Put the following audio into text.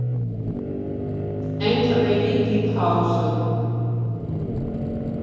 Էն թվերի դիփ հաուսը։